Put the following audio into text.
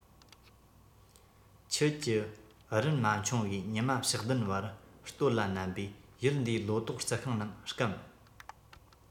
ཁྱིད ཀྱི རིན མ འཁྱོངས བས ཉི མ ཞག བདུན བར སྟོད ལ མནན པས ཡུལ འདིའི ལོ ཏོག རྩི ཤིང རྣམས བསྐམས